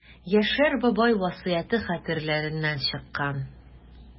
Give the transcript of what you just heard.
Яшәр бабай васыяте хәтерләреннән чыккан.